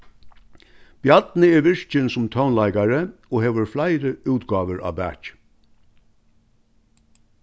bjarni er virkin sum tónleikari og hevur fleiri útgávur á baki